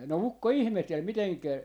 no ukko ihmetteli miten